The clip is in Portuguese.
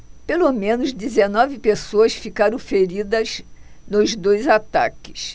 pelo menos dezenove pessoas ficaram feridas nos dois ataques